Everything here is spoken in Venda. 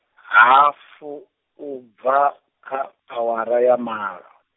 hafu u bva kha awara ya malo.